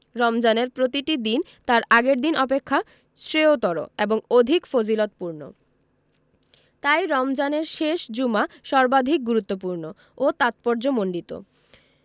রমজানের প্রতিটি দিন তার আগের দিন অপেক্ষা শ্রেয়তর এবং অধিক ফজিলতপূর্ণ তাই রমজানের শেষ জুমা সর্বাধিক গুরুত্বপূর্ণ ও তাৎপর্যমণ্ডিত